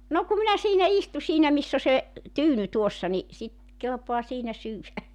no kun minä siinä istun siinä missä on se tyyny tuossa niin sitten kelpaa siinä syödä